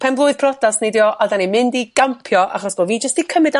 penblwydd pr'odas ni 'dio a 'da ni'n mynd i gampio achos bo' fi jyst 'di cym'yd